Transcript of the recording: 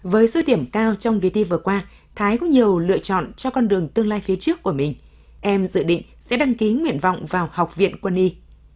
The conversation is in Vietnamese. với số điểm cao trong kỳ thi vừa qua thái có nhiều lựa chọn cho con đường tương lai phía trước của mình em dự định sẽ đăng ký nguyện vọng vào học viện quân y